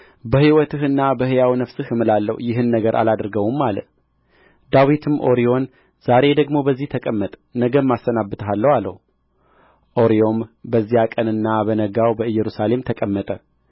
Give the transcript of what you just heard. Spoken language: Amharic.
በሕይወትህና በሕያው ነፍስህ እምላለሁ ይህን ነገር አላደርገውም አለው ዳዊትም ኦርዮን ዛሬ ደግሞ በዚህ ተቀመጥ ነገም አሰናብትሃለሁ አለው ኦርዮም በዚያ ቀንና በነጋው በኢየሩሳሌም ተቀመጠ